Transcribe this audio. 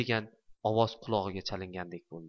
degan ovoz qulog'iga chalingandek bo'ldi